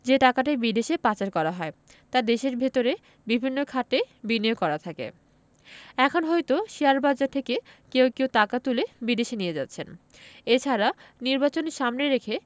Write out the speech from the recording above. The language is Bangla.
যে টাকাটা বিদেশে পাচার করা হয় তা দেশের ভেতরে বিভিন্ন খাতে বিনিয়োগ করা থাকে এখন হয়তো শেয়ারবাজার থেকে কেউ কেউ টাকা তুলে বিদেশে নিয়ে যাচ্ছে এ ছাড়া নির্বাচন সামনে রেখে